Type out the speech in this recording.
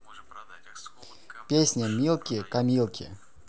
песня милки камилки